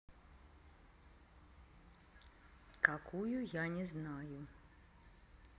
какую я не знаю